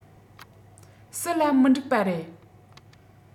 སུ ལ མི འགྲིག པ རེད